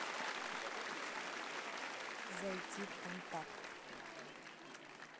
зайти в контакт